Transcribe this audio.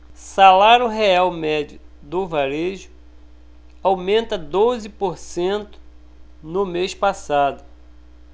salário real médio do varejo aumenta doze por cento no mês passado